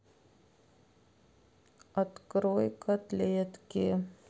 открой котлетки